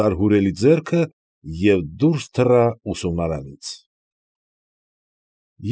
Զարհուրելի ձեռը և դուրս թռա ուսումնարանից։